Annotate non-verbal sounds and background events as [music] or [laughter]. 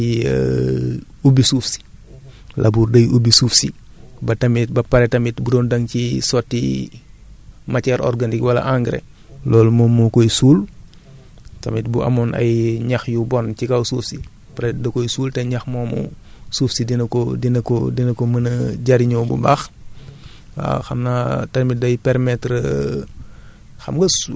dafa dafa am solo parce que [hesitation] soloom mooy dafay [hesitation] ubbi suuf si labour day ubbi suuf si ba tamit ba pare tamit bu doon da nga ciy sotti matière organique wala engrais loolu moom moo koy suul tamit bu amoon ay ay ñax yu bon ci kaw suuf si peut être da koy suul te ñax moomu suuf si dina ko dina ko dina ko mën a jëriñoo bu baax